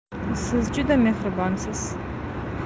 siz juda mehribonsiz